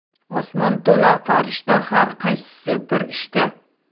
osmon to'la farishta har qaysisi bir ishda